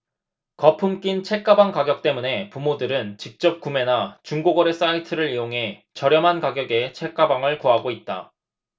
거품 낀 책가방 가격 때문에 부모들은 직접구매나 중고거래 사이트를 이용해 저렴한 가격에 책가방을 구하고 있다